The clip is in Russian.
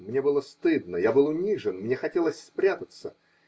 мне было стыдно, я был унижен, мне хотелось спрятаться